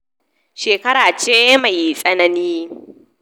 Shekara ce mai tsanani.